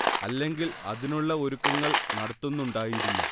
അല്ലെങ്കിൽ അതിനുള്ള ഒരുക്കുങ്ങൾ നടത്തുന്നുണ്ടായിരുന്നു